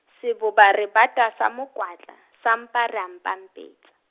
Seboba re bata sa mokwatla, sa mpa ra mpampetsa.